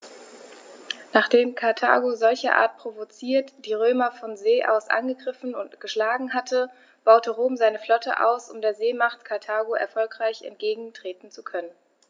Nachdem Karthago, solcherart provoziert, die Römer von See aus angegriffen und geschlagen hatte, baute Rom seine Flotte aus, um der Seemacht Karthago erfolgreich entgegentreten zu können.